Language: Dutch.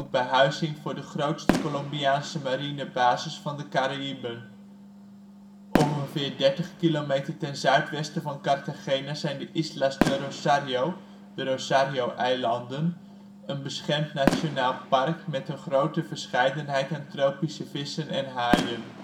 behuizing voor de grootste Colombiaanse marinebasis van de Cariben. Ongeveer dertig kilometer ten zuidwesten van Cartagena zijn de Islas de Rosario (Rosario Eilanden), een beschermd nationaal park met een grote verscheidenheid aan tropische vissen en haaien